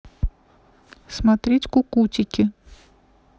смотреть кукутики